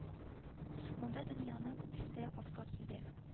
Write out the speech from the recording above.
Монда дөньяның өсте аска килде